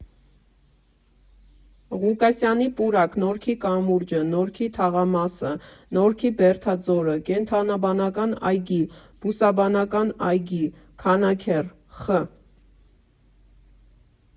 Ղուկասյանի պուրակ ֊ Նորքի կամուրջը ֊ Նորքի թաղամասը ֊ Նորքի բերդաձորը ֊ Կենդանաբանական այգի ֊ Բուսաբանական այգի ֊ Քանաքեռ ֊ Խ.